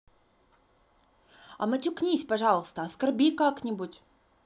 а матюкнись пожалуйста оскорби как нибудь